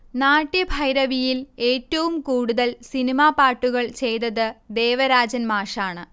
നാട്യഭൈരവിയിൽ ഏറ്റവും കൂടുതൽ സിനിമാ പാട്ടുകൾ ചെയ്തത് ദേവരാജൻ മാഷാണ്